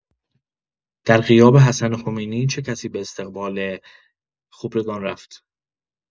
در غیاب حسن خمینی چه کسی به استقبال خبرگان رفت؟